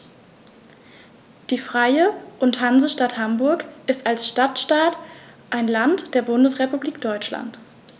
Die Freie und Hansestadt Hamburg ist als Stadtstaat ein Land der Bundesrepublik Deutschland.